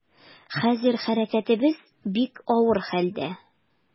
Хәзер хәрәкәтебез бик авыр хәлдә.